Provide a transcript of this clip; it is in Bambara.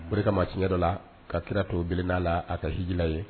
Barika ma tiɲɛ dɔ la ka kira to bilen n'a la a tɛ siji ye